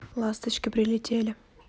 ласточки прилетели